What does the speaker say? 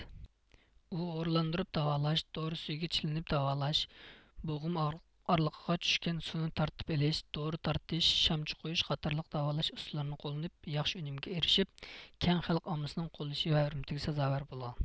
ئۇ ھورلاندۇرۇپ داۋالاش دورا سۈيىگە چىلىنىپ داۋالاش بوغۇم ئارىلىقىغا چۈشكەن سۇنى تارتىپ ئېلىش دورا تارتىش شامچە قويۇش قاتارلىق داۋالاش ئۇسۇللىرىنى قوللىنىپ ياخشى ئۈنۈمگە ئېرىشىپ كەڭ خەلق ئاممىسىنىڭ قوللىشى ۋە ھۆرمىتىگە سازاۋەر بولغان